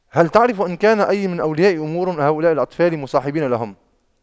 هل تعرف ان كان أي من أولياء أمور هؤلاء الأطفال مصاحبين لهم